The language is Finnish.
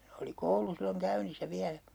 oli koulu silloin käynnissä vielä